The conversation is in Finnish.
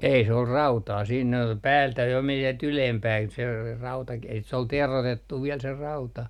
ei se oli rautaa siinä päältä jo meni sieltä ylempään se rautakin että se oli teroitettu vielä se rauta